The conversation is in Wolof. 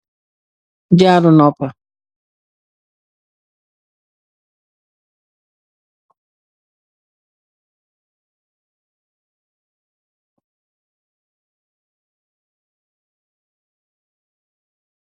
jarrou nopp